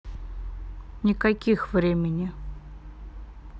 никаких времени